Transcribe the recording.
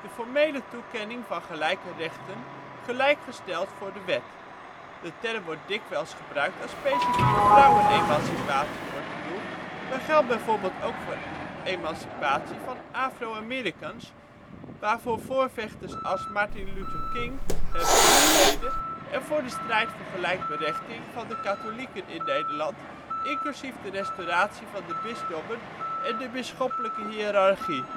formele toekenning van gelijke rechten, gelijkstelling voor de wet. De term wordt dikwijls gebruikt als specifiek vrouwenemancipatie wordt bedoeld, maar geldt bijvoorbeeld ook voor de emancipatie van Afro-Americans, waarvoor voorvechters als Martin Luther King hebben gestreden, en voor de strijd voor gelijkberechtiging van de katholieken in Nederland, inclusief de restauratie van de bisdommen en de bisschoppelijke hiërarchie